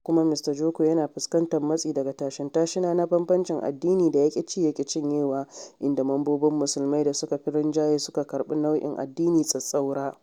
Haka kuma Mista Joko yana fuskantar matsi daga tashin-tashina na banbanci addini da ya-ƙi-ci-ya-ƙi-cinyewa, inda mamobin Musulmai da suka fi rinjaye suka karɓi nau’in addini tsatstsaura.